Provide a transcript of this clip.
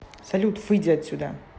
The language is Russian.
салют выйди отсюда